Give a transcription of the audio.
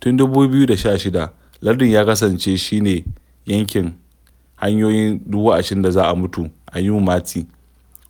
Tun 2016, lardin ya kasance shi ne yankin "hanyoyi 20,000 da za a mutu a Yu Ma Tei",